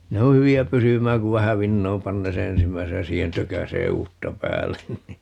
ne on hyviä pysymään kun vähän vinoon panee sen ensimmäisen ja siihen tökäisee uutta päälle niin